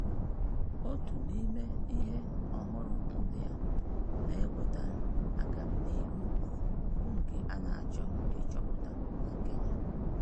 Otu n'ime ihe ọhụrụ ndị a na-eweta agamnihu bụ nke a na-achọ ịchụpụta na Kenya.